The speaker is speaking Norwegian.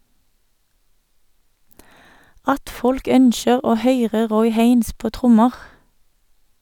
- At folk ønskjer å høyre Roy Haynes på trommer.